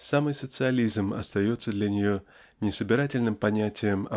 Самый социализм остается для нее не собирательным понятием